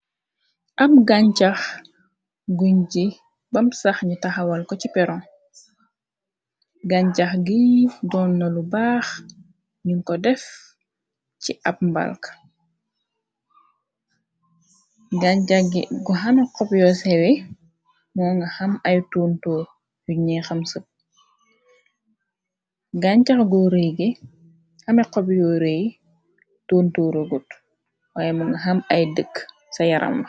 Ab gancax gun ji bam sax ñi taxawal ko ci peron gancax gi doon na lu baax nin ko def ci ab mbalk gancagi gu xana xob yosewe mo xaanu xam sëcxxame xob yoo reey tuuntu rogut waaye moo nga xam ay dëkk ca yarama.